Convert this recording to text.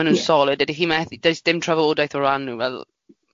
...ma' nhw'n solid dydych chi'n methu dydy- s- dim trafodaeth o ran nhw fel.